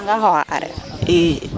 Nangaa xooxaa aareer,